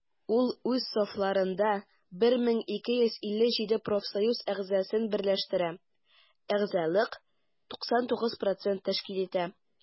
Ул үз сафларында 1257 профсоюз әгъзасын берләштерә, әгъзалык 99 % тәшкил итә.